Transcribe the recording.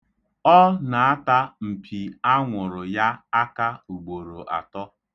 Ọ na-ata mpi anwụrụ ya aka.